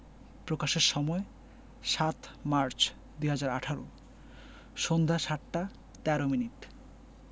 প্রকাশের সময় ০৭মার্চ ২০১৮ সন্ধ্যা ৭টা ১৩ মিনিট